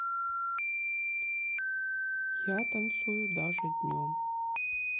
я танцую даже днем